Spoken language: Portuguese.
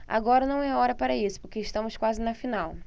agora não é hora para isso porque estamos quase na final